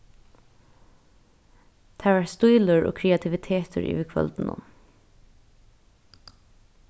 tað var stílur og kreativitetur yvir kvøldinum